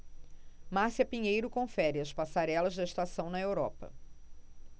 márcia pinheiro confere as passarelas da estação na europa